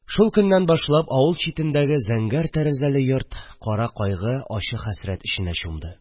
Шул көннән башлап авыл читендәге зәңгәр тәрәзәле йорт кара кайгы, ачы хәсрәт эченә чумды